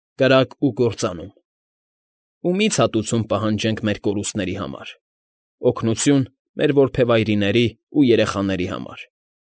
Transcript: Կրակ ու կործանում… Ումի՞ց հատուցում պահանջենք մեր կորուստների համար, օգնություն՝ մեր որբևայրիների ու երեխաների համար։